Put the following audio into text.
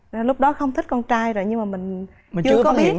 lúc đó không thích con trai rồi nhưng mà mình chưa có biết